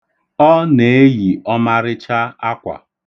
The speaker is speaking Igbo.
Ọ na-eyi ọmarịcha akwa.